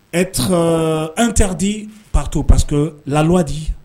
Ɛ an taara di pato pasto laluwadi